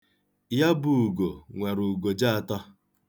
Ya bụ ugo nwere ugoja atọ.